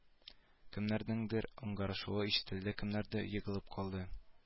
Кемнәрнеңдер ыңгырашуы ишетелде кемнәрдер егылып калды